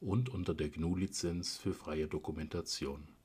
und unter der GNU Lizenz für freie Dokumentation